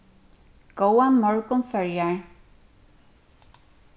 góðan morgun føroyar